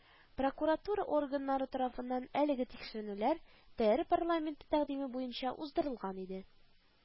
Прокуратура органнары тарафыннан әлеге тикшерүләр ТР парламенты тәкъдиме буенча уздырылган иде